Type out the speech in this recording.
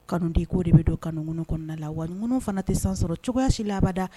Kanudi k'o de bɛ don kanuŋunu kɔnɔna la wa ŋunu fana tɛ san sɔrɔ cogoya si la abada